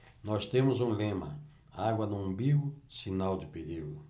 nós temos um lema água no umbigo sinal de perigo